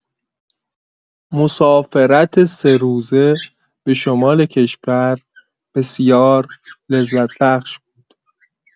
مسافرت سه‌روزه به شمال کشور بسیار لذت‌بخش بود.